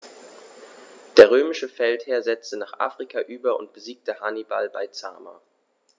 Der römische Feldherr setzte nach Afrika über und besiegte Hannibal bei Zama.